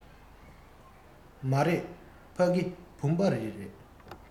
མ རེད ཕ གི བུམ པ རི རེད